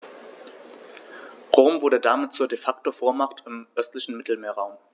Rom wurde damit zur ‚De-Facto-Vormacht‘ im östlichen Mittelmeerraum.